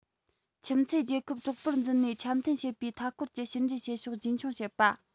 ཁྱིམ མཚེས རྒྱལ ཁབ གྲོགས པོར འཛིན ནས འཆམ མཐུན བྱེད པའི མཐའ སྐོར གྱི ཕྱི འབྲེལ བྱེད ཕྱོགས རྒྱུན འཁྱོངས བྱེད པ